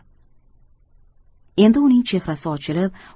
endi uning chehrasi ochilib